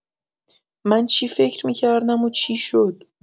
من چی فکر می‌کردم و چی شد!